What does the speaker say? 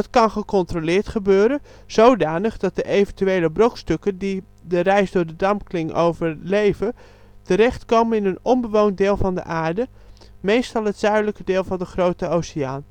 kan gecontroleerd gebeuren, zodanig dat de eventuele brokstukken die de reis door de dampkring overleven terecht komen in een onbewoond deel van de aarde (meestal het zuidelijke deel van de Grote Oceaan